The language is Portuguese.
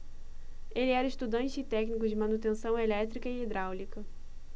ele era estudante e técnico de manutenção elétrica e hidráulica